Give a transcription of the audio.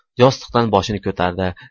yostiqdan boshini ko'tardi